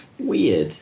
Weird.